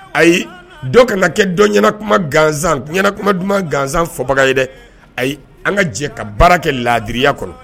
Ayi dɔ kana na kɛ dɔn ɲɛna kuma gansan ɲɛna kuma duman gansan fɔbaga ye dɛ, ayi an ka jɛ ka baara kɛ laadiriya kɔrɔ